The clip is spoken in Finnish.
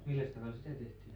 milläs tavalla sitä tehtiin